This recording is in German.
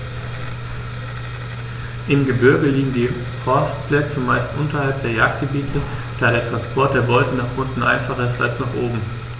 Im Gebirge liegen die Horstplätze meist unterhalb der Jagdgebiete, da der Transport der Beute nach unten einfacher ist als nach oben.